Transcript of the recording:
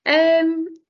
Yym.